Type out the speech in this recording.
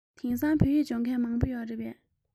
དེང སང བོད ཡིག སྦྱོང མཁན མང པོ ཡོད རེད པས